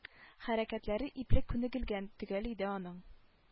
Хәрәкәтләре ипле күнегелгән төгәл иде аның